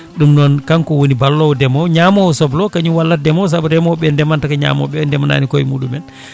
ɗum noon kanko woni ballowo ndeemowo ñamowo soble o kañum wallata ndeemowo soble saabu remoɓe ndeemanta ko ñamoɓe ndeemanani kooye muɗumen